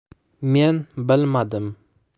men bilmadim